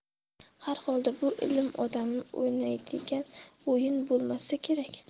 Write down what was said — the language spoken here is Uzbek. harholda bu ilm odami o'ynaydigan o'yin bo'lmasa kerak